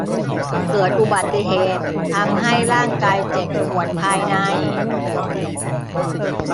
เกิดอุบัติเหตุทำให้ร่างกายเจ็บปวดภายใน